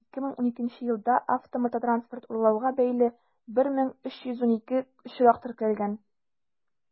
2012 елда автомототранспорт урлауга бәйле 1312 очрак теркәлгән.